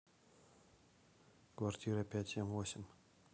квартира пять семь восемь